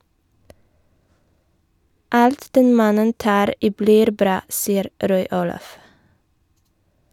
Alt den mannen tar i blir bra, sier Roy-Olav.